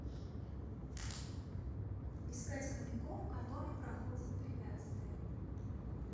искать хомяков который проходит препятствия